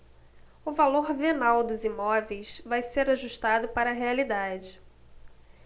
o valor venal dos imóveis vai ser ajustado para a realidade